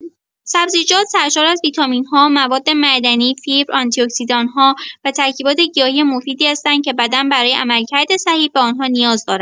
سبزیجات سرشار از ویتامین‌ها، مواد معدنی، فیبر، آنتی‌اکسیدان‌ها و ترکیبات گیاهی مفیدی هستند که بدن برای عملکرد صحیح به آن‌ها نیاز دارد.